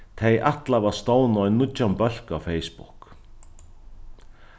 tey ætlaðu at stovna ein nýggjan bólk á facebook